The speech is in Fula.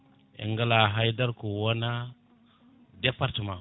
en gala haydara ko wona département